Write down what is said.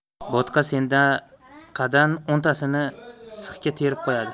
bo'tqa sendaqadan o'ntasini sixga terib qo'yadi